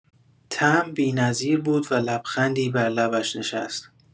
طعم بی‌نظیر بود و لبخندی بر لبش نشست.